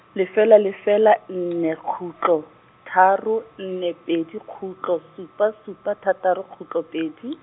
lefela lefela nne khutlo, tharo, nne pedi khutlo supa supa thataro khutlo pedi.